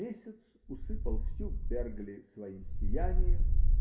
Месяц усыпал всю Бергли своим сиянием